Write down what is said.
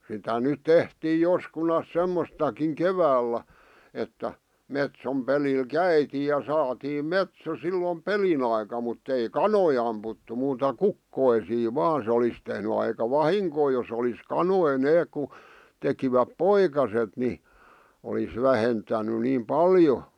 sitä nyt tehtiin joskunansa semmoistakin keväällä että metson pelillä käytiin ja saatiin metso silloin pelin aikana mutta ei kanoja ammuttu muuta kukkoja vain se olisi tehnyt aika vahinkoa jos olisi kanoja ne kun tekivät poikaset niin olisi vähentänyt niin paljon